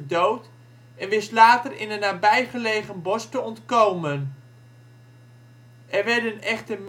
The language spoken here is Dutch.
dood en wist later in een nabijgelegen bos te ontkomen. Er werden echter minstens